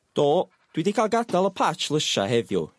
Do dwi 'di ca'l gadal y patch lysia heddiw